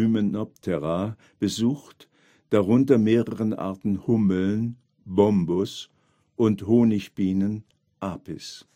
Hymenoptera) besucht, darunter mehrere Arten Hummeln (Bombus) und Honigbienen (Apis